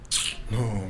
Jigi